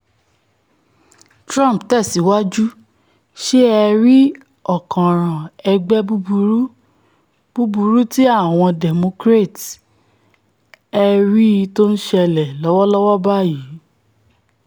Trump tẹ̀síwájú, ''Se ẹ̀ rí ọ̀kànràn ẹgbẹ́ búburú, búburú ti Àwọn Democrats, ẹ́ rí i tó ńṣẹlẹ̀ lọ́wọ́lọ́wọ́ báyìí.